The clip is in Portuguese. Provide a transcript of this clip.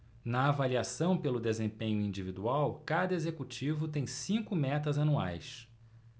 na avaliação pelo desempenho individual cada executivo tem cinco metas anuais